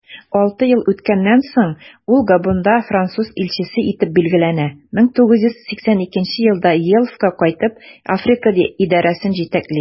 Алты ел үткәннән соң, ул Габонда француз илчесе итеп билгеләнә, 1982 елда Elf'ка кайтып, Африка идарәсен җитәкли.